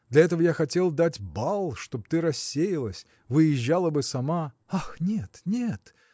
Для этого я хотел дать бал, чтоб ты рассеялась, выезжала бы сама. – Ах, нет, нет!